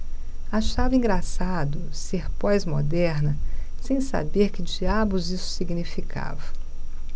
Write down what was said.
achava engraçado ser pós-moderna sem saber que diabos isso significava